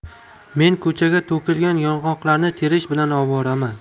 men ko'chaga to'kilgan yong'oqlarni terish bilan ovoraman